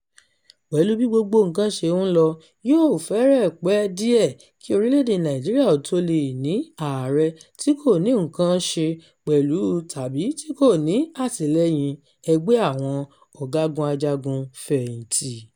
Pẹ̀lú bí gbogbo nǹkan ṣe ń lọ, yóò fẹ́rẹ̀ẹ́ pẹ́ díẹ̀ kí orílẹ̀-èdè Nàìjíríà ó tó le è ní Ààrẹ tí kò ní nǹkan ṣe pẹ̀lú, tàbí tí kò ní àtìlẹ́yìn "ẹgbẹ́ " àwọn ọ̀gágun ajagun fẹ̀yìntì.